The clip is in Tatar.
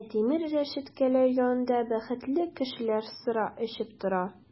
Ә тимер рәшәткәләр янында бәхетле кешеләр сыра эчеп тора!